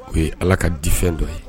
O ye ala ka difɛn dɔ ye.